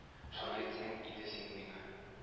Шуны әйтсәң иде син миңа